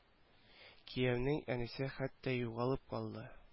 Кияүнең әнисе хәтта югалып калды